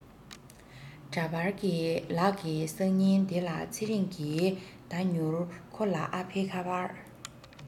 འདྲ པར གྱི ལག གི སང ཉིན དེ ལ ཚེ རིང གི དེ མྱུར ཁོ ལ ཨ ཕའི ཁ པར